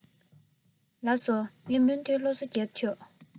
ལགས སོ ངས མུ མཐུད སློབ གསོ རྒྱབ ཆོག